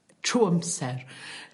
trw amser.